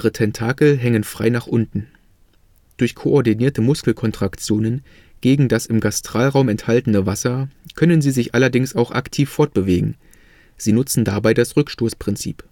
Tentakel hängen frei nach unten. Durch koordinierte Muskelkontraktionen gegen das im Gastralraum enthaltene Wasser können sie sich allerdings auch aktiv fortbewegen – sie nutzen dabei das Rückstoßprinzip